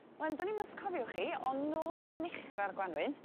'Wan dwn i'm os cofiwch chi on' nôl yn nechra'r Gwanwyn